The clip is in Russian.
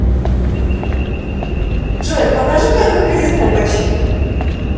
джой покажи как выглядит попочки